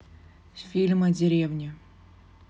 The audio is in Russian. фильм о деревне